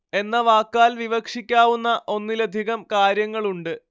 എന്ന വാക്കാൽ വിവക്ഷിക്കാവുന്ന ഒന്നിലധികം കാര്യങ്ങളുണ്ട്